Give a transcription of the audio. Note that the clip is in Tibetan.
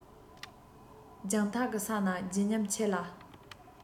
ཐག རིང གི ས ན བརྗིད ཉམས ཆེ ལ